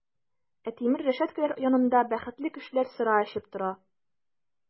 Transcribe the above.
Ә тимер рәшәткәләр янында бәхетле кешеләр сыра эчеп тора!